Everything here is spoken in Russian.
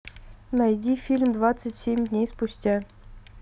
найди фильм двадцать семь дней спустя